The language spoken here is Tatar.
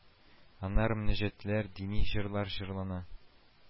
Аннары мөнәҗәтләр, дини җырлар җырлана